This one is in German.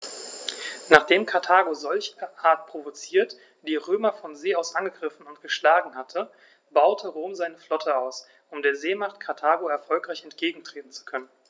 Nachdem Karthago, solcherart provoziert, die Römer von See aus angegriffen und geschlagen hatte, baute Rom seine Flotte aus, um der Seemacht Karthago erfolgreich entgegentreten zu können.